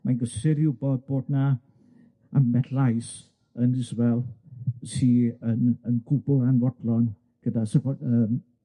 mae'n gysur i wbod bod 'na ambell lais yn Israel sy yn yn gwbwl anfodlon gyda safo- yym